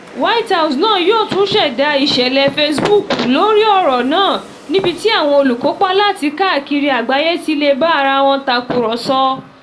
White House náà yóò tún ṣẹ̀dá "ìṣẹ̀lẹ̀" Facebook lórí ọ̀rọ̀ náà níbi tí àwọn olùkópa láti káàkiri àgbáyé ti lè bá ara wọn tàkúrọ̀sọ̀.